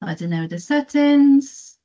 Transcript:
I don't know the settings.